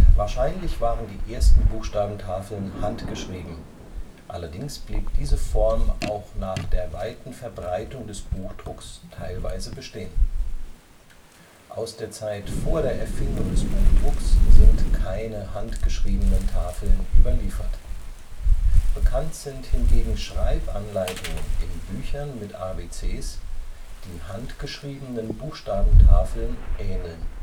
Wahrscheinlich waren die ersten Buchstabentafeln handgeschrieben, allerdings blieb diese Form auch nach der weiten Verbreitung des Buchdrucks teilweise bestehen. Aus der Zeit vor der Erfindung des Buchdrucks sind keine handgeschriebenen Tafeln überliefert. Bekannt sind hingegen Schreibanleitungen in Büchern mit ABCs, die handgeschriebenen Buchstabentafeln ähneln